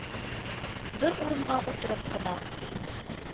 Бер урынга утырып кына